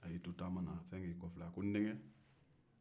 a y'i to taama na il sinna k'i kɔfilɛ ko n denkɛ